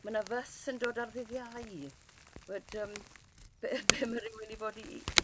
Ma 'na fys yn dod ar ddydd Iau t'mod yym be' be' ma' rhywun i fod i i